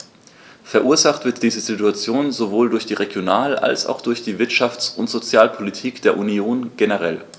Verursacht wird diese Situation sowohl durch die Regional- als auch durch die Wirtschafts- und Sozialpolitik der Union generell.